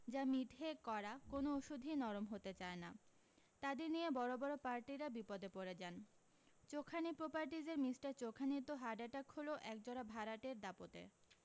যা মিঠে কড়া কোন ওষুধই নরম হতে চায় না তাদের নিয়েই বড় বড় পার্টিরা বিপদে পড়ে যান চোখানি প্রপারটিজের মিষ্টার চোখানির তো হার্ট অ্যাটাক হলো এক জোড়া ভাড়াটের দাপটে